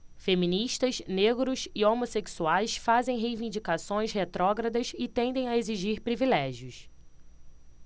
feministas negros e homossexuais fazem reivindicações retrógradas e tendem a exigir privilégios